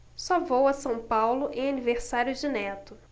só vou a são paulo em aniversário de neto